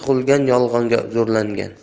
tug'ilgan yolg'onga zo'rlangan